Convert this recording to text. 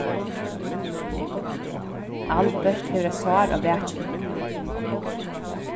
albert hevur eitt sár á bakinum